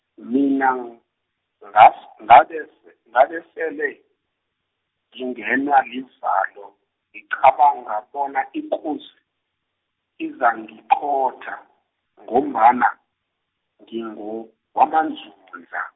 mina ngas- ngabesel- ngabesele, ngingenwa livalo ngiqabanga bona ikosi, izangiqotha, ngombana, ngingowamaNdzundza.